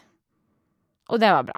Og det var bra.